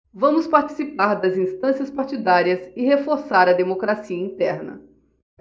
vamos participar das instâncias partidárias e reforçar a democracia interna